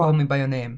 Call me by your name.